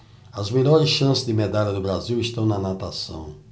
as melhores chances de medalha do brasil estão na natação